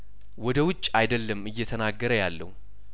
ወደ ውጭ አይደለም እየተናገረ ያለው